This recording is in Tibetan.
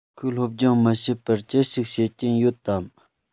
ཁོས སློབ སྦྱོང མི བྱེད པར ཅི ཞིག བྱེད ཀྱིན ཡོད དམ